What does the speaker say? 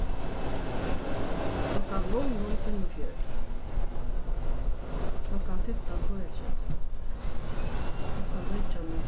klokkan null null fimmogfjøruti klokkan fimtan fýraogtretivu klokkan nítjan null